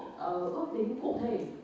ờ ước tính cụ thể